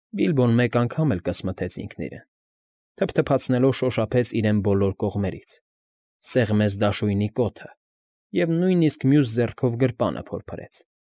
Բիլբոն մեկ անգամ էլ կսմթեց ինքն իրեն, թփթփացնելով շոշափեց իրեն բոլոր կողմերից, սեղմեց դաշույնի կոթը և նույնիսկ մյուս ձեռքով գրպանը փորփրեց։